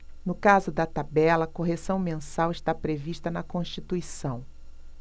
no caso da tabela a correção mensal está prevista na constituição